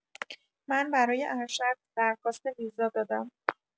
من برای ارشد درخواست ویزا دادم.